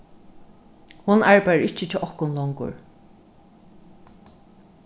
hon arbeiðir ikki hjá okkum longur